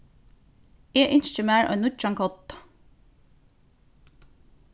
eg ynski mær ein nýggjan kodda